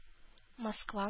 Москва